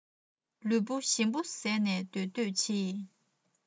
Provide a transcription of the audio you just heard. ལུས པོ ཞིམ པོ བཟས ནས སྡོད འདོད ཆེ